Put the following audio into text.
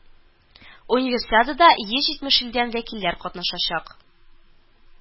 Универсиадада йөз җитмеш илдән вәкилләр катнашачак